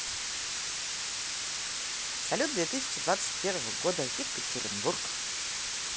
салют две тысячи двадцать первого года екатеринбург